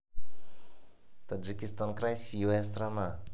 таджикистан красивая страна